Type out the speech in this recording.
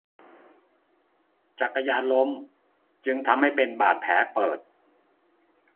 จักรยานล้มจึงทำให้เป็นบาดแผลเปิด